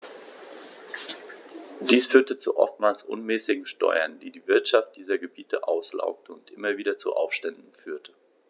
Dies führte zu oftmals unmäßigen Steuern, die die Wirtschaft dieser Gebiete auslaugte und immer wieder zu Aufständen führte.